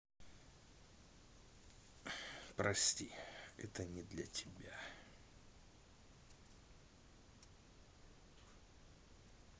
прости это я не про тебя